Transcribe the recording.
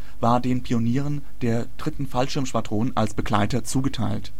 war den Pionieren der 3. Fallschirmschwadron als Begleiter zugeteilt